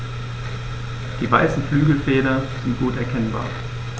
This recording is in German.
Die weißen Flügelfelder sind gut erkennbar.